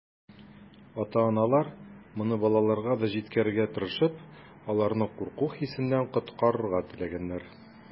Ата-аналар, моны балаларга да җиткерергә тырышып, аларны курку хисеннән коткарырга теләгәннәр.